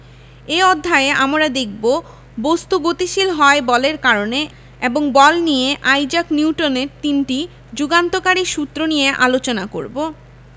এই অধ্যায়ে আমরা দেখব বস্তু গতিশীল হয় বলের কারণে এবং বল নিয়ে আইজাক নিউটনের তিনটি যুগান্তকারী সূত্র নিয়ে আলোচনা করব